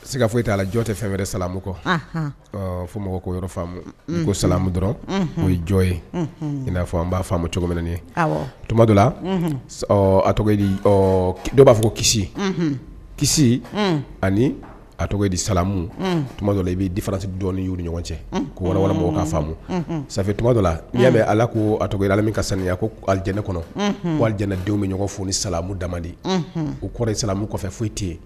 Se ka foyi i t' la jɔ tɛ fɛnɛrɛ samu kɔ ɔ fo mɔgɔ ko yɔrɔ faamu ko samu dɔrɔn o ye jɔ ye i n'a fɔ n b'a faamu cogomin ye tudula di dɔw b'a fɔ kisi kisi ani a di samujɔ i b'ifarasi dɔi y' ɲɔgɔn cɛ ko warabagaw ka faamu sanfɛ dɔ la n'i' mɛn ala ko a alami ka saya ko ali jɛnɛ ne kɔnɔ jɛnɛdenw bɛ ɲɔgɔn fo ni samu damadi u kɔrɔ ye samu kɔfɛ foyi tɛ yen